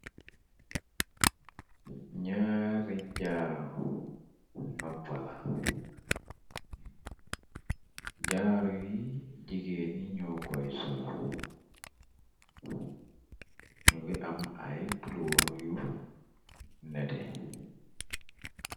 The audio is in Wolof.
Naari jaaru nopa la, jaaru yi jigéeni ñoo koy sol ñungi am ay kulooru yu nete.